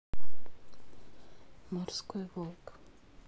морской волк